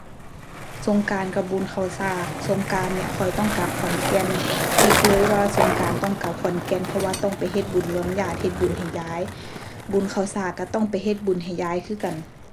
สงกรานต์กับบุญข้าวสาก สงกรานต์เนี่ยข้อยต้องกลับขอนแก่น ฟิกซ์เลยว่าสงกรานต์ต้องกลับขอนแก่น เพราะว่าต้องไปเฮ็ดบุญรวมญาติ เฮ็ดบุญให้ยาย บุญข้าวสากก็ต้องไปเฮ็ดบุญให้ยายคือกัน